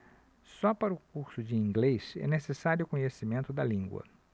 só para o curso de inglês é necessário conhecimento da língua